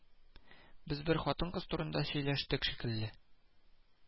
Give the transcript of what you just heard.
Без бер хатын-кыз турында сөйләштек шикелле